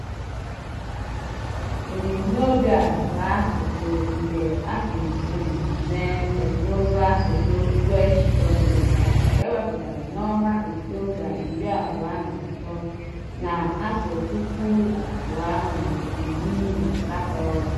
Ebumnobi a bụ akụkụ nke atụmatụ mmemme teknụzụ asụsụ Welsh gọọmentị, nke ewepụtara na Ọktoba 23, 2018.